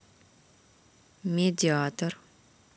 медиатор